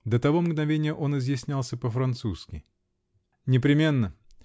до того мгновения он изъяснялся по-французски. -- Непременно.